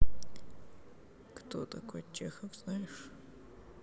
кто такой чехов знаешь